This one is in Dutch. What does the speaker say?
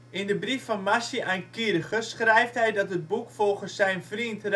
In de brief van Marci aan Kircher schrijft hij dat het boek volgens zijn vriend Rafael